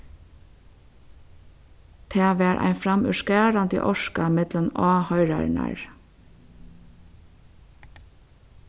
tað var ein framúrskarandi orka millum áhoyrararnar